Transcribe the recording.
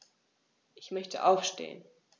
Ich möchte aufstehen.